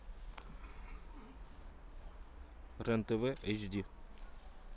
рен тв эйч ди